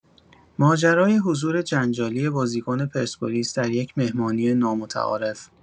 ماجرای حضور جنجالی بازیکن پرسپولیس در یک مهمانی نامتعارف!